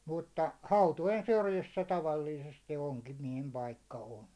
mutta hautojen syrjissä tavallisesti onkimiehen paikka on